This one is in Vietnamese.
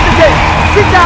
vị khán